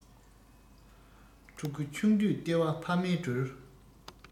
ཕྲུ གུ ཆུང དུས ལྟེ བ ཕ མས སྒྲོལ